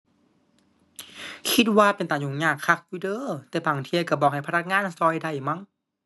คิดว่าเป็นตายุ่งยากคักอยู่เด้อ แต่บางเที่ยก็บอกให้พนักงานก็ได้มั้ง